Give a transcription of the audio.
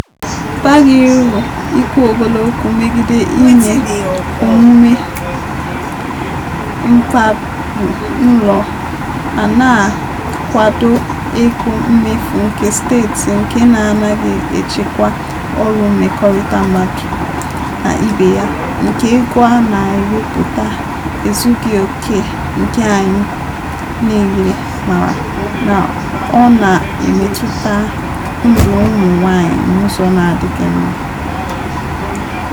Ọ baghị uru ikwu ogologo okwu megide ime omume mkpagbu n'ụlọ ma na-akwado ego mmefu nke steeti nke na-anaghị echekwa ọrụ mmekọrịta mmadụ na ibe ya, nke ego a na-ewepụta ezughị oke nke anyị niile maara na ọ na-emetụta ndụ ụmụ nwaanyị n'ụzọ na-adịghị mma.